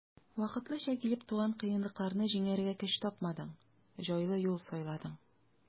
Вакытлыча килеп туган кыенлыкларны җиңәргә көч тапмадың, җайлы юл сайладың.